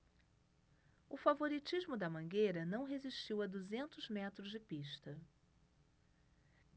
o favoritismo da mangueira não resistiu a duzentos metros de pista